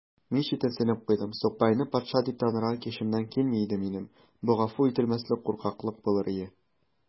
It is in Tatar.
Мин читенсенеп куйдым: сукбайны патша дип танырга көчемнән килми иде минем: бу гафу ителмәслек куркаклык булыр иде.